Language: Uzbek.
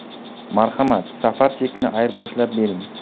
marhamat safar chekini ayirboshlab bering